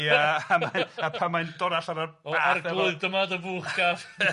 Ia a mae'n a pan mae'n dod allan o'r bath... O arglwydd dyma dy fwch gafr...